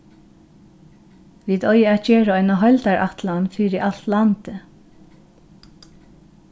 vit eiga at gera eina heildarætlan fyri alt landið